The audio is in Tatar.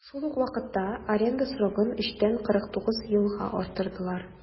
Шул ук вакытта аренда срогын 3 тән 49 елга арттырдылар.